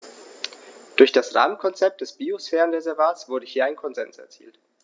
Durch das Rahmenkonzept des Biosphärenreservates wurde hier ein Konsens erzielt.